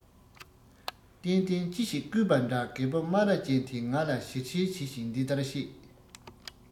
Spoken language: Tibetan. གཏན གཏན ཅི ཞིག བརྐུས པ འདྲ རྒད པོ སྨ ར ཅན དེས ང ལ བྱིལ བྱིལ བྱེད ཀྱིན འདི ལྟར བཤད